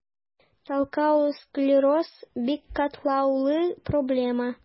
Таркау склероз – бик катлаулы проблема.